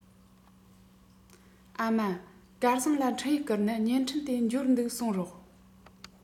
ཨ མ སྐལ བཟང ལ འཕྲིན ཡིག བསྐུར ན བརྙན འཕྲིན དེ འབྱོར འདུག གསུངས རོགས